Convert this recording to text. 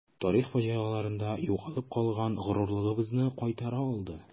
Тарих фаҗигаларында югалып калган горурлыгыбызны кайтара алды.